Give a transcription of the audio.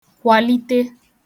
kwàlite